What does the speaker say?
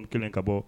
Kɛlen ka bɔ